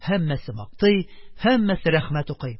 Һәммәсе мактый, һәммәсе рәхмәт укый,